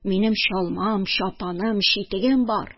Минем чалмам, чапаным, читегем бар!..